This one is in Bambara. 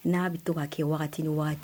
N'a bɛ to ka kɛ wagati ni waati wagati